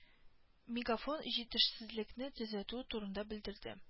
Мегафон җитешсезлекне төзәтүе турында белдерде